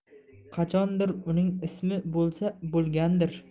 qachondir uning ismi bo'lsa bo'lgandir